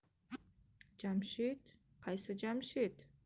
jamshid qaysi jamshid